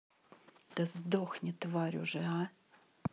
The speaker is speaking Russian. да сдохни тварь уже а